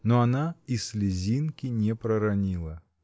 но она и слезинки не проронила.